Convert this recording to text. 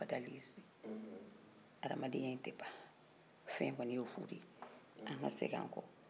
adamadenya in tɛ ban fɛn kɔnin ye fuu de ye an ka segi an kɔ an ka dɔ ta kunu maraw kɔnɔla la